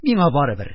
Миңа барыбер,